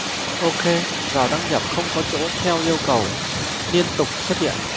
ok vào đăng nhập không có chỗ theo yêu cầu liên tục xuất hiện